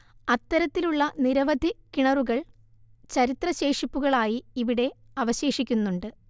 അത്തരത്തിലുള്ള നിരവധി കിണറുകൾ ചരിത്ര ശേഷിപ്പുകളായി ഇവിടെ അവശേഷിക്കുന്നുണ്ട്